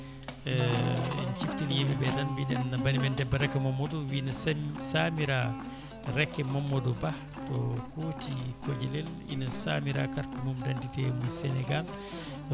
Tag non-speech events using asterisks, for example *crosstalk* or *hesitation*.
*hesitation* en ciftini yimɓeɓe tan banimen debbo Raky Mamadou wii ne saamira Raky Mamadou Ba to Kooti Kojilel ene saamira carte mum d' identité mo Sénégal